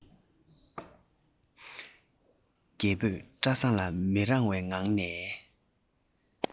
རྒད པོས བཀྲ བཟང ལ མི རངས པའི ངང ནས